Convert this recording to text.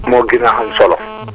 moo gën a am solo